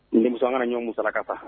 N denmuso an ka na ɲɔgɔn musalaka sa